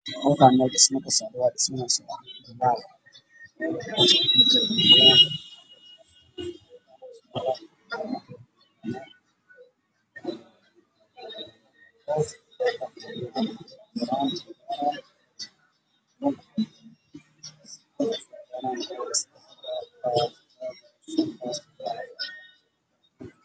Halkaan waa meel dhismo ka socdo